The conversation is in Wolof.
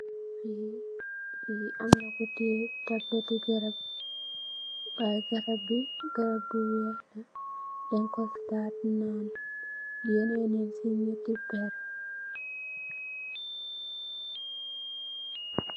Fi, fi mana ku tè tablet li ti garab, why garab bi garab bu weeh la den ko start nan. Yenen yan ci nëti perr.